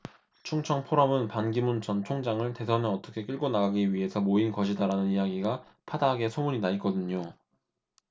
충청포럼은 반기문 전 총장을 대선에 어떻게 끌고 나가기 위해서 모인 것이다라는 이야기가 파다하게 소문이 나 있거든요